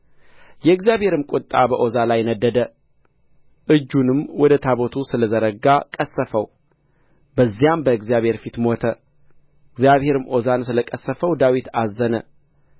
የእግዚአብሔርም ቍጣ በዖዛ ላይ ነደደ እጁንም ወደ ታቦቱ ስለ ዘረጋ ቀሠፈው በዚያም በእግዚአብሔር ፊት ሞተ እግዚአብሔርም ዖዛን ስለ ቀሠፈው ዳዊት አዘነ